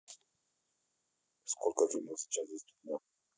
сколько фильмов сейчас доступно